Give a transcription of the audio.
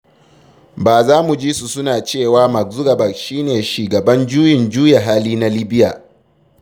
Ba za mu ji su, suna cewa: ''Mark Zuckerberg shi ne shigaban juyin juya hali na Libya''.